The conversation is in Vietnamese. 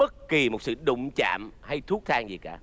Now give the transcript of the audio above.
bất kỳ một sự đụng chạm hay thuốc thang gì cả